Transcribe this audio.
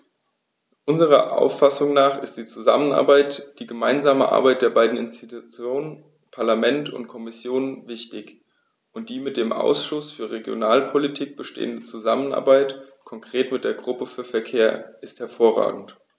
Unserer Auffassung nach ist die Zusammenarbeit, die gemeinsame Arbeit der beiden Institutionen - Parlament und Kommission - wichtig, und die mit dem Ausschuss für Regionalpolitik bestehende Zusammenarbeit, konkret mit der Gruppe für Verkehr, ist hervorragend.